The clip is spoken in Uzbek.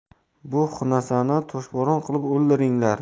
bu xunasani toshbo'ron qilib o'ldiringlar